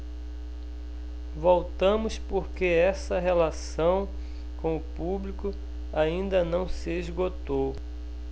voltamos porque essa relação com o público ainda não se esgotou